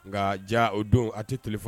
Nka jaa o don a tɛ telephone